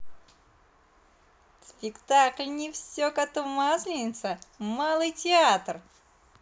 спектакль не все коту масленица малый театр